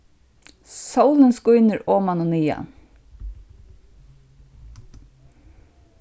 sólin skínur oman og niðan